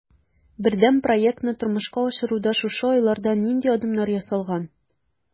Бердәм проектны тормышка ашыруда шушы айларда нинди адымнар ясалган?